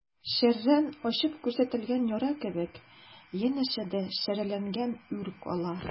Шәрран ачып күрсәтелгән яра кебек, янәшәдә шәрәләнгән ур кала.